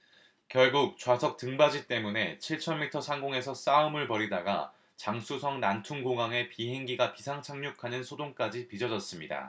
결국 좌석 등받이 때문에 칠천 미터 상공에서 싸움을 벌이다가 장쑤성 난퉁공항에 비행기가 비상 착륙하는 소동까지 빚어졌습니다